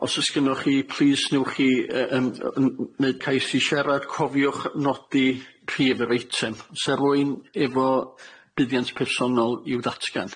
Os o's gynnoch chi plîs newch chi yy yym yy n- n- neud cais i siarad cofiwch nodi prif yr eitem se rywun efo buddiant personol i'w ddatgan.